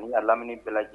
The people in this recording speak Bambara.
N y' lamini bɛɛ